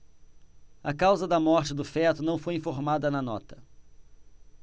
a causa da morte do feto não foi informada na nota